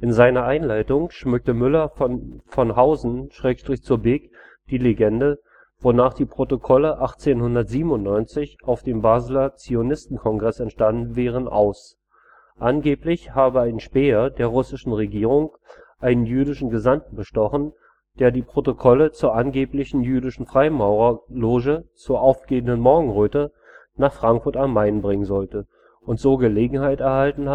seiner Einleitung schmückte Müller von Hausen/zur Beek die Legende, wonach die Protokolle 1897 auf dem Basler Zionistenkongress entstanden wären, aus: Angeblich habe ein „ Späher “der russischen Regierung einen jüdischen Gesandten bestochen, der die Protokolle zur angeblich jüdischen Freimaurerloge „ Zur aufgehenden Morgenröte “nach Frankfurt am Main bringen sollte, und so Gelegenheit erhalten